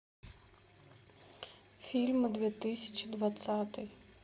фильмы две тысячи двадцатый